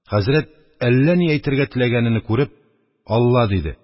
Хәзрәт, әллә ни әйтергә теләгәнене күреп: «Алла!» – диде.